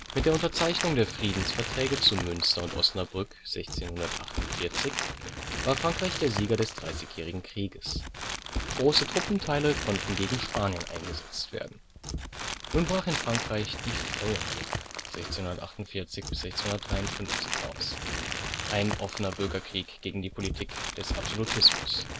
der Unterzeichnung der Friedensverträge zu Münster und Osnabrück 1648 war Frankreich der Sieger des Dreißigjährigen Krieges. Große Truppenteile konnten gegen Spanien eingesetzt werden. Nun brach in Frankreich die Fronde (1648 – 1653) aus, ein offener Bürgerkrieg gegen die Politik des Absolutismus